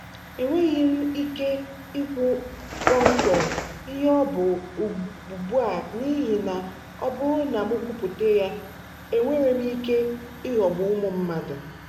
Enweghị m ike ikwu kpọmkwem ihe ọ bụ ugbu a n'ihi na ọ bụrụ na m kwupụta ya, enwere m ike ịghọgbu ụmụ mmadụ.